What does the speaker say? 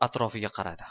atrofiga qaradi